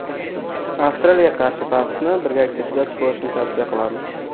avstraliyaga qarshi bahsni birgalikda kuzatib borishni tavsiya qilamiz